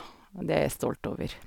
Og det er jeg stolt over.